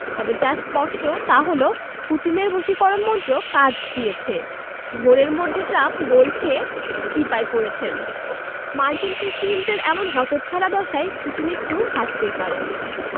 তবে যা স্পষ্ট তা হলো পুতিনের বশীকরণ মন্ত্র কাজ দিয়েছে ঘোরের মধ্যে ট্রাম্প গোল খেয়ে চিপায় পড়েছেন মার্কিন প্রেসিডেন্টের এমন হতচ্ছাড়া দশায় পুতিন একটু হাসতেই পারেন